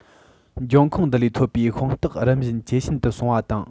འབྱུང ཁུངས འདི ལས ཐོབ པའི དཔང རྟགས རིམ བཞིན ཇེ ཞན དུ སོང བ དང